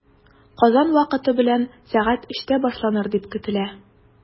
Казан вакыты белән сәгать өчтә башланыр дип көтелә.